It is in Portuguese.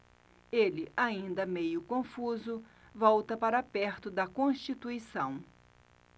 ele ainda meio confuso volta para perto de constituição